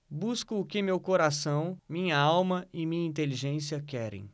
busco o que meu coração minha alma e minha inteligência querem